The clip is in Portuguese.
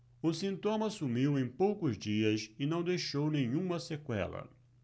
o sintoma sumiu em poucos dias e não deixou nenhuma sequela